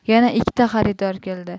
yana ikkita xaridor keldi